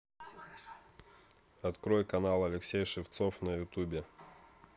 открой канал алексей шевцов на ютубе